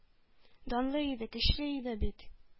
Данлы иде, көчле иде бит!!